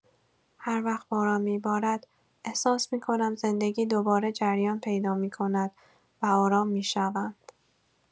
هر وقت باران می‌بارد احساس می‌کنم زندگی دوباره جریان پیدا می‌کند و آرام می‌شوم.